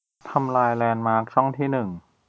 ทำลายแลนด์มาร์คช่องที่หนึ่ง